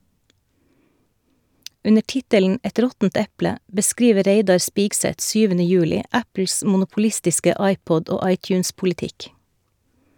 Under tittelen "Et råttent eple" beskriver Reidar Spigseth syvende juli Apples monopolistiske iPod- og iTunes-politikk.